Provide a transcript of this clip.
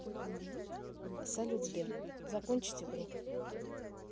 салют сбер закончить игру